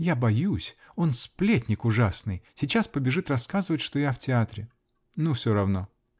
Я боюсь: он сплетник ужасный; сейчас побежит рассказывать, что я в театре. Ну, все равно.